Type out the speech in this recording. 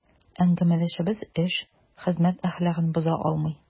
Әңгәмәдәшебез эш, хезмәт әхлагын боза алмый.